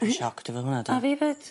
Rwy'n shocked efo hwnna 'de. A fi 'fyd.